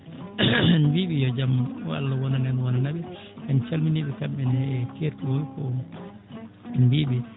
en mbiyii ɓe yo jam Allah o wonan en wonana ɓe en calminii ɓe kamɓe ne e kettagol ko mbii mi